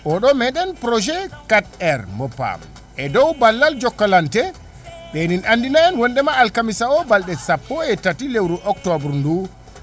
oɗo meɗen projet quatre aire mo PAM e dow ballal jokalante meɗin andina en wondema alakamisa o balɗe sappo e tati lewru octobre ndu